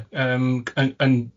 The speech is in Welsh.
Yym c- yn yn